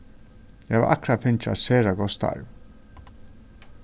eg havi akkurát fingið eitt sera gott starv